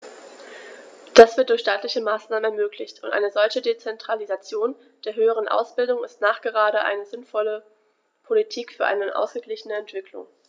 Das wird durch staatliche Maßnahmen ermöglicht, und eine solche Dezentralisation der höheren Ausbildung ist nachgerade eine sinnvolle Politik für eine ausgeglichene Entwicklung.